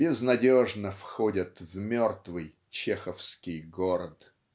безнадежно входят в мертвый чеховский город.